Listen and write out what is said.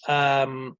yym